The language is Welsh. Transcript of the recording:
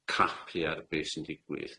craffu ar be' sy'n digwydd.